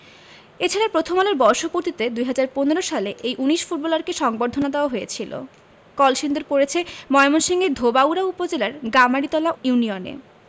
এ ছাড়া প্রথম আলোর বর্ষপূর্তিতে ২০১৫ সালে এই ১৯ ফুটবলারকে সংবর্ধনা দেওয়া হয়েছিল কলসিন্দুর পড়েছে ময়মনসিংহের ধোবাউড়া উপজেলার গামারিতলা ইউনিয়নে